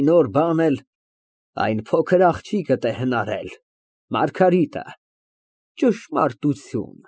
Մի նոր բան էլ այն փոքր աղջիկդ է հնարել. ֊ Մարգարիտը, ճշմարտություն։